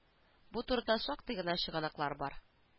Бу турыда шактый гына чыганаклар бар